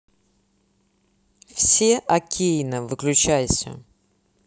все окейно выключайся